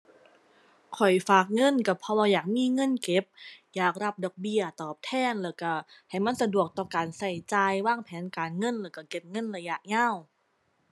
ข้อยฝากเงินก็เพราะว่าอยากมีเงินเก็บ อยากรับดอกเบี้ยตอบแทนแล้วก็ให้มันสะดวกต่อการก็จ่าย วางแผนการเงินแล้วก็เก็บเงินระยะยาว